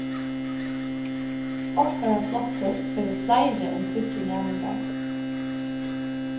okkara flokkur hevur fleiri enn tíggju næmingar